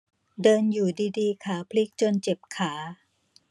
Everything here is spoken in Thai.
เดินอยู่ดีดีขาพลิกจนเจ็บขา